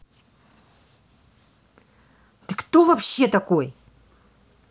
ты кто вообще такой